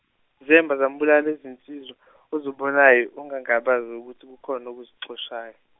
zemba zambulala izinsizwa ozibonayo ungangabazi ukuthi kukhona okuzixoshayo.